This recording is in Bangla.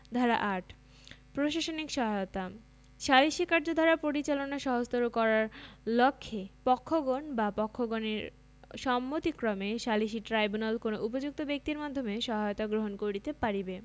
ধারা ৮ প্রশাসনিক সহায়তাঃ সালিসী কার্যধারা পরিচালনা সহজতর করার লক্ষ্যে পক্ষগণ বা পক্ষগণের সম্মতিক্রমে সালিসী ট্রাইব্যুনাল কোন উপযুক্ত ব্যক্তির মাধ্যমে সহায়তা গ্রহণ করিতে পারিবে